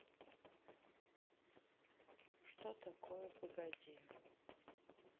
что такое погоди